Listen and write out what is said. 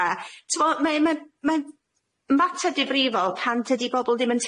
a t'mo' mae mae mae'n mater difrifol pan tydi bobol ddim yn